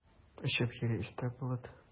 Очып йөри өстә болыт.